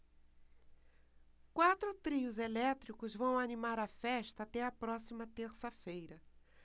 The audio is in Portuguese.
quatro trios elétricos vão animar a festa até a próxima terça-feira